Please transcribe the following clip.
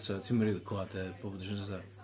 So ti ddim yn rili clywed y bobl sydd drws nesa.